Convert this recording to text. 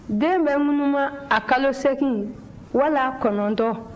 den bɛ ŋunuma a kalo seegin wala kɔnɔntɔn